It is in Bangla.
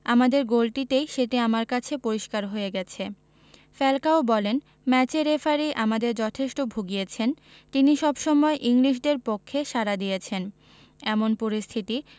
আমাদের গোলটিতেই সেটি আমার কাছে পরিস্কার হয়ে গেছে ফ্যালকাও বলেন ম্যাচে রেফারি আমাদের যথেষ্ট ভুগিয়েছেন তিনি সবসময় ইংলিশদের পক্ষে সাড়া দিয়েছেন এমন পরিস্থিতি